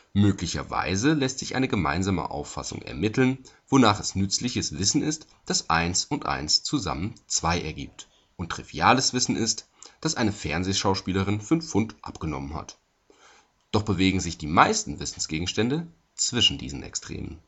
Möglicherweise lässt sich eine gemeinsame Auffassung ermitteln, wonach es nützliches Wissen ist, dass eins und eins zusammen zwei ergibt, und triviales Wissen ist, dass eine Fernsehschauspielerin fünf Pfund abgenommen hat. Doch bewegen sich die meisten Wissensgegenstände zwischen diesen Extremen